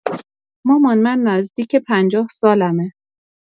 مامان، من نزدیک پنجاه سالمه.